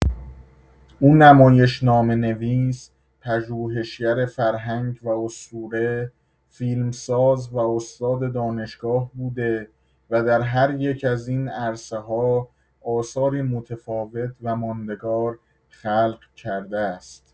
او نمایشنامه‌نویس، پژوهشگر فرهنگ و اسطوره، فیلمساز و استاد دانشگاه بوده و در هر یک از این عرصه‌ها آثاری متفاوت و ماندگار خلق کرده است.